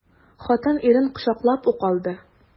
Хатын ирен кочаклап ук алды.